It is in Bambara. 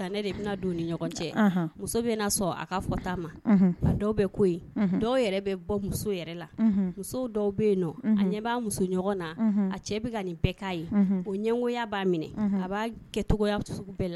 A fɔ bɛ dɔw bɛ bɔ la muso dɔw bɛ yen a ɲɛ b'a muso ɲɔgɔn na a cɛ nin bɛɛ ye o ɲɛgoya b'a minɛ a b'a kɛcogogoyaugu bɛɛ la